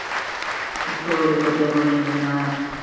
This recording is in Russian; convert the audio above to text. история которую мы не знаем